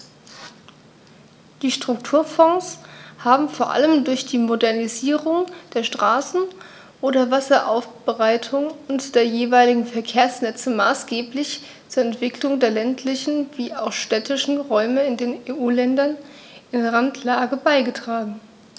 Die Strukturfonds haben vor allem durch die Modernisierung der Straßen, der Wasseraufbereitung und der jeweiligen Verkehrsnetze maßgeblich zur Entwicklung der ländlichen wie auch städtischen Räume in den EU-Ländern in Randlage beigetragen.